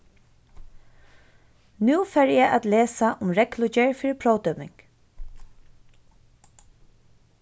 nú fari eg at lesa um reglugerð fyri próvdøming